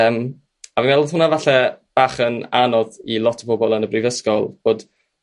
yym a fi'n meddwl o'dd hwnne 'falle bach yn anodd i lot o bobol yn y brifysgol bod